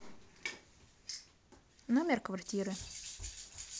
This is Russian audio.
номер квартиры